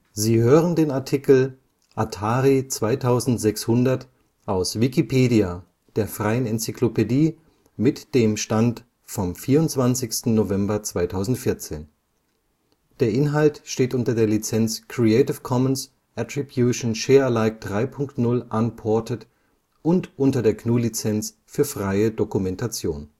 Sie hören den Artikel Atari 2600, aus Wikipedia, der freien Enzyklopädie. Mit dem Stand vom Der Inhalt steht unter der Lizenz Creative Commons Attribution Share Alike 3 Punkt 0 Unported und unter der GNU Lizenz für freie Dokumentation